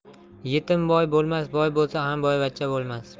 yetim boy bo'lmas boy bo'lsa ham boyvachcha bo'lmas